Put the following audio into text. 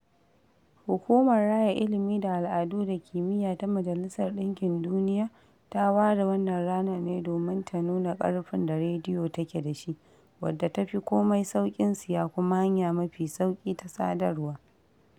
Hukumar Raya Ilimi da Al'adu da Kimiyya Ta Majalisar ɗinkin Duniya ta ware wannan ranar ne domin ta nuna ƙarfin da radiyo take da shi, wadda ta fi komai sauƙin siya kuma hanya mafi sauƙi ta sadarwa.